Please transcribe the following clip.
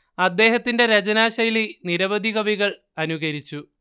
അദ്ദേഹത്തിന്റെ രചനാശൈലി നിരവധി കവികൾ അനുകരിച്ചു